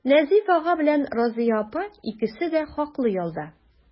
Назыйф ага белән Разыя апа икесе дә хаклы ялда.